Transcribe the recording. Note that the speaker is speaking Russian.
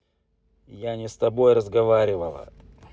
я не с тобой разговаривала